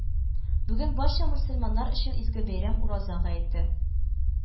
Бүген барча мөселманнар өчен изге бәйрәм Ураза гаете